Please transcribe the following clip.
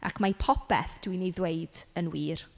Ac mae popeth dwi'n ei ddweud yn wir.